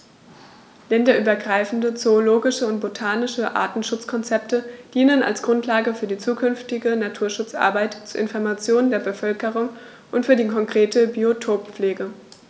Länderübergreifende zoologische und botanische Artenschutzkonzepte dienen als Grundlage für die zukünftige Naturschutzarbeit, zur Information der Bevölkerung und für die konkrete Biotoppflege.